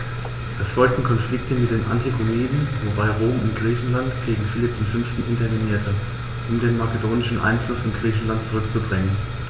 Es folgten Konflikte mit den Antigoniden, wobei Rom in Griechenland gegen Philipp V. intervenierte, um den makedonischen Einfluss in Griechenland zurückzudrängen.